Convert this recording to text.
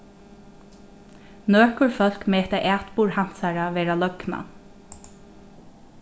nøkur fólk meta atburð hansara vera løgnan